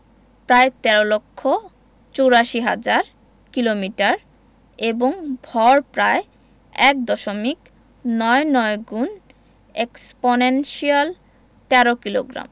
প্রায় ১৩ লক্ষ ৮৪ হাজার কিলোমিটার এবং ভর প্রায় এক দশমিক নয় নয় গুণ এক্সপনেনশিয়াল ১৩ কিলোগ্রাম